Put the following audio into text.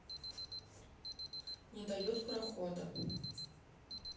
не дают прохода